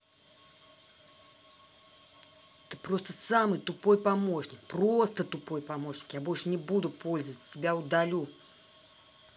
ты просто самый тупой помощник просто тупой помощник я больше не буду пользоваться тебя удалю